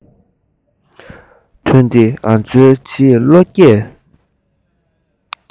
ཐོན ཏེ ང ཚོའི བྱིས བློ རྒྱས